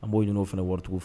An b'o ɲini u fana waricogo fɛ